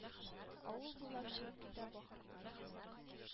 Авыл буйлап чыгып китә бахыркай.